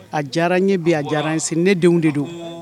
A diyara n ɲɛ bi a diyara insin ne denw de don